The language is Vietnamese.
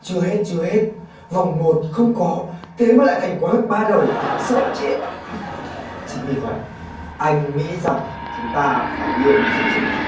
chưa hết chưa hết vòng một không có thế mà lại thành quái vật ba đầu sợ chết chính vì vậy anh nghĩ rằng chúng ta phải yêu sự chân thực